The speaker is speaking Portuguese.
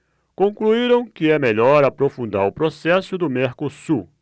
concluíram que é melhor aprofundar o processo do mercosul